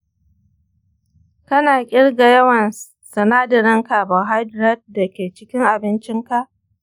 kana kirga yawan sinadarin carbohydrate da ke cikin abincinka?